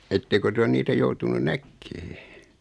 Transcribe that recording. ettekö te ole niitä joutunut näkemään